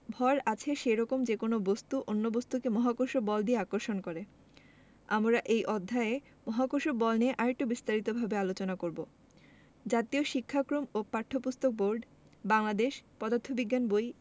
ভর আছে সেরকম যেকোনো বস্তু অন্য বস্তুকে মহাকর্ষ বল দিয়ে আকর্ষণ করে আমরা এই অধ্যায়ে মহাকর্ষ বল নিয়ে আরেকটু বিস্তারিতভাবে আলোচনা করব জাতীয় শিক্ষাক্রম ওপাঠ্যপুস্তক বোর্ড বাংলাদেশ পদার্থ বিজ্ঞান বই